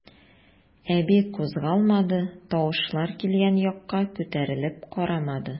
Әби кузгалмады, тавышлар килгән якка күтәрелеп карамады.